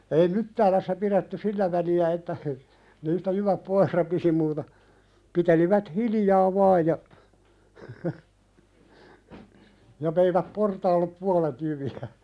ei Myttäälässä pidetty sillä väliä että niistä jyvät pois rapisi mutta pitelivät hiljaa vain ja ja veivät portaalle puolet jyviä